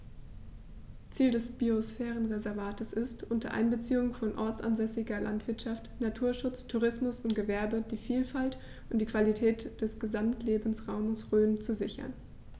Ziel dieses Biosphärenreservates ist, unter Einbeziehung von ortsansässiger Landwirtschaft, Naturschutz, Tourismus und Gewerbe die Vielfalt und die Qualität des Gesamtlebensraumes Rhön zu sichern.